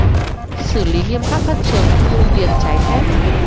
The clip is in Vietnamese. xử lý nghiêm khắc các trường thu tiền trái phép